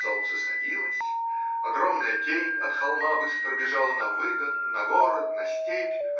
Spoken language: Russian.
Солнце садилось, огромная тень от холма быстро бежала на выгон, на город, на степь